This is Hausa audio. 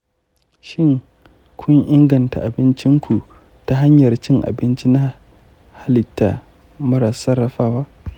shin, kun inganta abincin ku ta hanyar cin abinci na halitta mara sarrafawa?